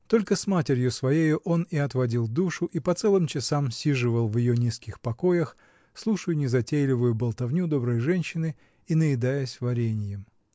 Только с матерью своею он и отводил душу и по целым часам сиживал в ее низких покоях, слушая незатейливую болтовню доброй женщины и наедаясь вареньем.